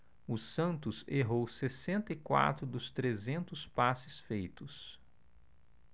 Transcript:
o santos errou sessenta e quatro dos trezentos passes feitos